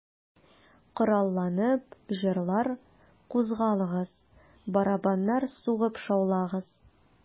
Коралланып, җырлар, кузгалыгыз, Барабаннар сугып шаулагыз...